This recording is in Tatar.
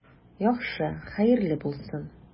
Яхшы, хәерле булсын.